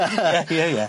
Ie ie.